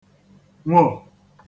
nwò